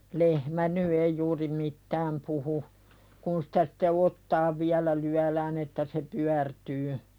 lehmä nyt ei juuri mitään puhu kun sitä sitten otsaan vielä lyödään että se pyörtyy